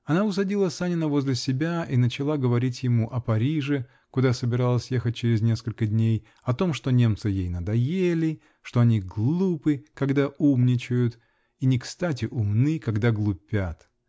Она усадила Санина возле себя и начала говорить ему о Париже, куда собиралась ехать через несколько дней, о том, что немцы ей надоели что они глупы, когда умничают, и некстати умны, когда глупят